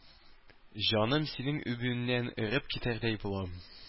Җаным, синең үбүеңнән эреп китәрдәй булам.